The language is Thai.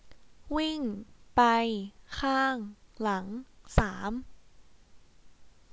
วิ่งไปข้างหลังสาม